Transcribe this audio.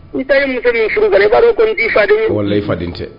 I taara muso min furu kɔni kɔni n'i faden wa i faden tɛ